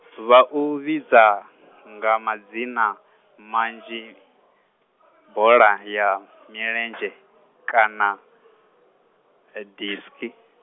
vha u vhidza, nga madzina manzhi, boḽa ya milenzhe, kana, e diski.